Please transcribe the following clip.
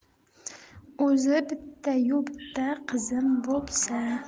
o'zi bittayu bitta qizim bo'lsa